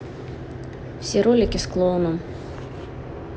все ролики с клоуном